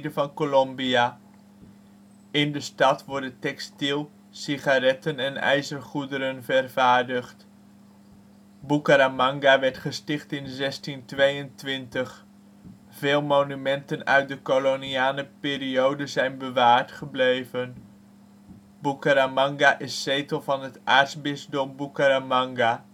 van Colombia. In de stad worden textiel, sigaretten en ijzergoederen vervaardigd. Bucaramanga werd gesticht in 1622. Veel monumenten uit de koloniale periode zijn bewaard gebleven. Bucaramanga is zetel van het aartsbisdom Bucaramanga